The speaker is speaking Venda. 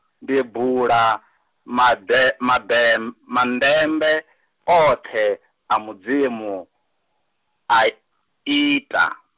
ndi bula, made- madem-, mandembe oṱhe, a Mudzimu, aita.